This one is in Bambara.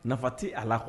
Nafa tɛ a la